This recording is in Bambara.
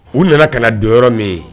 U nana ka na don yɔrɔ min ye